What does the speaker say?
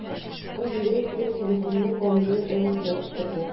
Кыз, йөгереп килеп, телефонны Камилнең әнисенә тоттырды.